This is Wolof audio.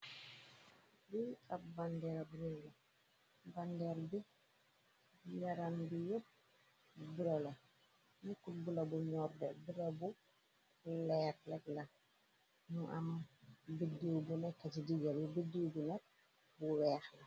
Lii ab bandeer bu reey la, bandeer bi yaram bi yap bula nekkut bula bu ñorde, bula bu leer regla ñu am biddiw bu nekk ci diga bi, biddiw bi nek bu weex la.